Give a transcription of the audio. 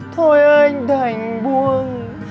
thôi anh đành buông